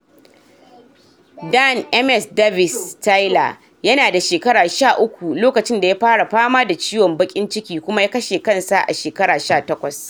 ‘Dan Ms Davis, Tyler, yana da shekara 13 lokacin da ya fara fama da ciwon bakin ciki kuma ya kashe kansa a shekara 18.